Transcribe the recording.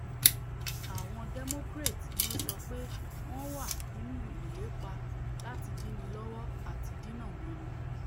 Àwọn Democrats, ni ó sọ pé, wọn wà nínú ìlépa láti ''dínilọ́wọ àti dínamọ́ni.''